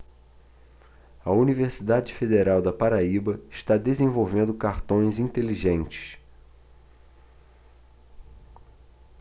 a universidade federal da paraíba está desenvolvendo cartões inteligentes